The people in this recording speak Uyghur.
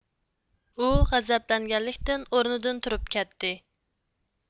ئۇ غەزەپلەنگەنلىكتىن ئورنىدىن تۇرۇپ كەتتى